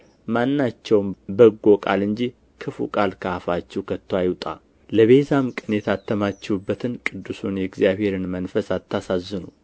ማናቸውም በጎ ቃል እንጂ ክፉ ቃል ከአፋችሁ ከቶ አይውጣ ለቤዛም ቀን የታተማችሁበትን ቅዱሱን የእግዚአብሔርን መንፈስ አታሳዝኑ